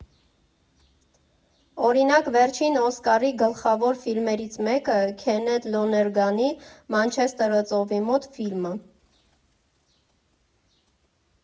Օրինակ՝ վերջին Օսկարի գլխավոր ֆիլմերից մեկը՝ Քենեթ Լոներգանի «Մանչեսթերը ծովի մոտ» ֆիլմը։